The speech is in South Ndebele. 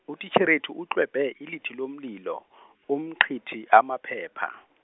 utitjherethu utlwebhe, ilithi lomlilo, umcithi amaphepha.